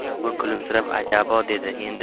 bobur kulimsirab ajabo dedi endi